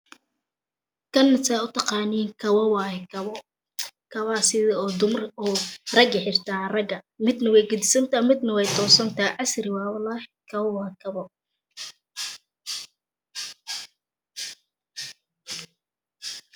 Kan saa u taqaniin kabo waye kabo kabaha sida dumarka oo kale iyo raga ay xirtaan midna way gadisantahay midna way toosantahay casri weeye walhi kabo wayo kabo